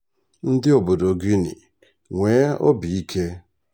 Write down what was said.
Ndị obodo Guinea, nwee obi ike!